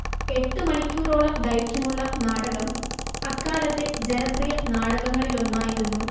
എട്ടുമണിക്കൂറോളം ദൈർഘ്യമുള്ള നാടകം അക്കാലത്തെ ജനപ്രിയ നാടകങ്ങളിലൊന്നായിരുന്നു